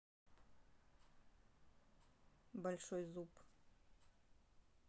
большой зуб